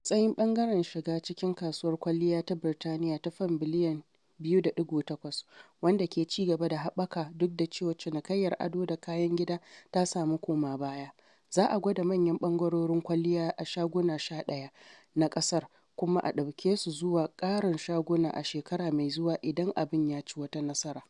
A matsayin ɓangaren shiga cikin kasuwar kwalliya ta Birtaniyya ta Fam biliyan 2.8, wadda ke ci gaba da haɓaka duk da cewa cinikayyar ado da kayan gida ta sami koma baya, za a gwada manyan ɓangarorin kwalliya a shaguna 11 na kasar kuma a ɗauke su zuwa ƙarin shaguna a shekara mai zuwa idan abin ya ci wata nasara.